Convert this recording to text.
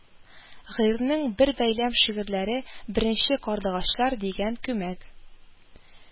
Гыйрьнең бер бәйләм шигырьләре «беренче карлыгачлар» дигән күмәк